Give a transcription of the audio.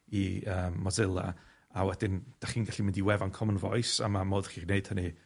i yy Mozilla, a wedyn 'dych chi'n gallu mynd i wefan Common Voice, a ma' modd i chi wneud hynny